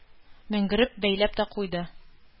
Менгереп бәйләп тә куйды.